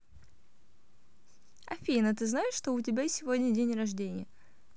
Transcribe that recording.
афина ты знаешь что у меня сегодня день рождения